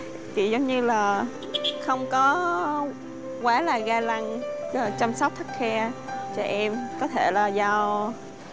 chỉ giống như là không có quá là ga lăng chăm sóc khắt khe cho em có thể là do